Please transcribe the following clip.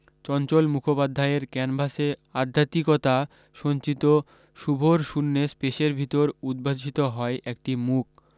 চঞ্চল মুখোপাধ্যায়ের ক্যানভাসে আধ্যাত্মিকতা সঞ্চিত শুভর শূন্য স্পেসের ভিতর উদ্ভাসিত হয় একটি মুখ